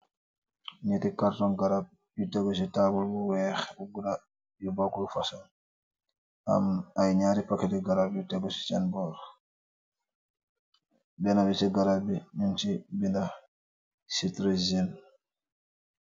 Ñetti karton garab yu tegu ci tabull bu wèèx yu bokkul fasong am ay ñaari paketi garab yu tegu ci sen bor, benna bi ci garap yi ñung ci bindé sitrinsin.